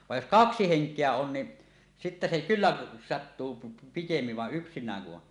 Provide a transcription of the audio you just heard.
vaan jos kaksi henkeä on niin sitten se kyllä sattuu - pikemmin vaan yksinään kun on